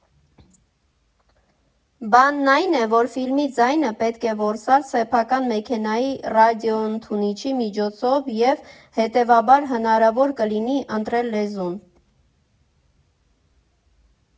Բանն այն է, որ ֆիլմի ձայնը պետք է որսալ սեփական մեքենայի ռադիոընդունիչի միջոցով և, հետևաբար, հնարավոր կլինի ընտրել լեզուն։